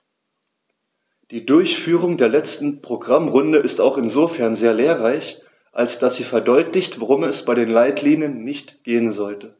Die Durchführung der letzten Programmrunde ist auch insofern sehr lehrreich, als dass sie verdeutlicht, worum es bei den Leitlinien nicht gehen sollte.